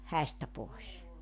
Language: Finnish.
häistä pois